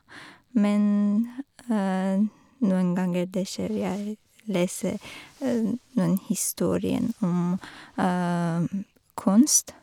Men noen ganger det skjer jeg lese noen historien om kunst.